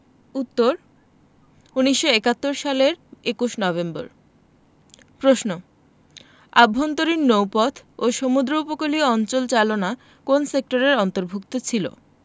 উত্তর ১৯৭১ সালের ২১ নভেম্বর প্রশ্ন আভ্যন্তরীণ নৌপথ ও সমুদ্র উপকূলীয় অঞ্চল চালনা কোন সেক্টরের অন্তভুর্ক্ত ছিল